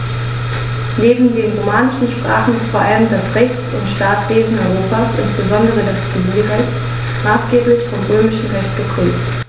Neben den romanischen Sprachen ist vor allem das Rechts- und Staatswesen Europas, insbesondere das Zivilrecht, maßgeblich vom Römischen Recht geprägt.